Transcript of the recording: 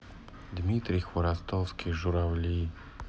дмитрий хворостовский журавли